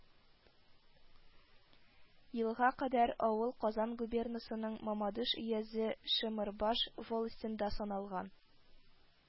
Елга кадәр авыл казан губернасының мамадыш өязе шеморбаш волостендә саналган